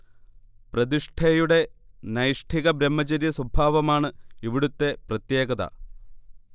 പ്രതിഷ്ഠയുടെ നൈഷ്ഠിക ബ്രഹ്മചര്യ സ്വഭാവമാണ് ഇവിടുത്തെ പ്രത്യേകത